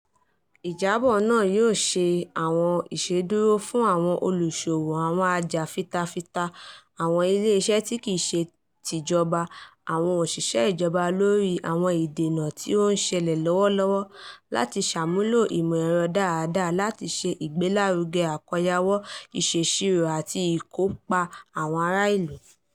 Ìjábọ̀ náà yóò ṣe àwọn ìṣèdúró fún àwọn olúsowó, àwọn ajàfitafita, àwọn Ilé Iṣẹ́ tí kìí se ti Ìjọba, àti àwọn òṣìṣẹ́ ìjọba lórí àwọn ìdènà tí ó ń ṣẹlẹ̀ lọ́wọ́lọ́wọ́ láti sàmúlò ìmọ̀ ẹ̀rọ dáadáa láti ṣe ìgbélárugẹ àkóyawọ́, ìṣèsirò àti ikópa àwọn ará ìlú.